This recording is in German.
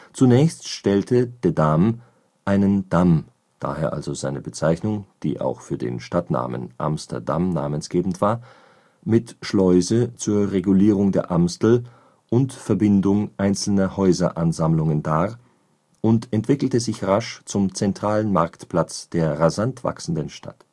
Zunächst stellte de Dam einen Damm – daher also seine Bezeichnung, die auch für den Stadtnamen Amsterdam namensgebend war – mit Schleuse zur Regulierung der Amstel und Verbindung einzelner Häuseransammlungen dar und entwickelte sich rasch zum zentralen Marktplatz der rasant wachsenden Stadt